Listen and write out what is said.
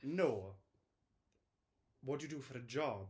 No! What do you do for a job?